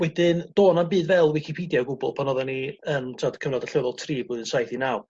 wedyn do' 'nam byd fel Wicipidia o'gwbwl pan oddan ni yn t'od cyfnod allweddol tri blwyddyn saith i naw